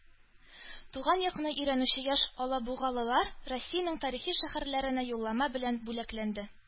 Туган якны өйрәнүче яшь алабугалылар Россиянең тарихи шәһәрләренә юллама белән бүләкләнде